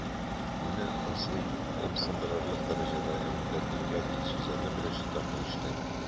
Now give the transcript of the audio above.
Мине ымсындырырлык дәрәҗәдә өметләндергән сүзләрне беренче тапкыр ишетәм.